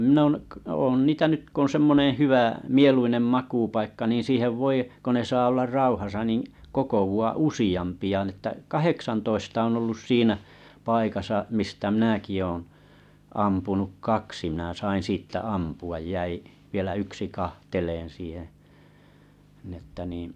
minä olen niitä nyt kun on semmoinen hyvä mieluinen makuupaikka niin siihen voi kun ne saa olla rauhassa niin kokoontua useampia niin että kahdeksantoista on ollut siinä paikassa mistä minäkin olen ampunut kaksi minä sain sitten ampua jäi vielä yksi katselemaan siihen niin että niin